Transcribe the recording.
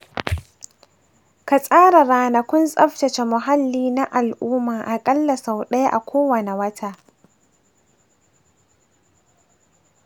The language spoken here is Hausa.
ka tsara ranakun tsaftace muhalli na al’umma aƙalla sau ɗaya a kowane wata.